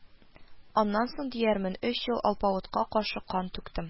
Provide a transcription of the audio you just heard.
Аннан соң, диярмен, өч ел алпавытка каршы кан түктем